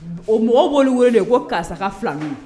O mɔgɔ b' wele de ko karisa filanin